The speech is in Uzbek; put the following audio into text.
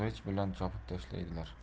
uni qilich bilan chopib tashlaydilar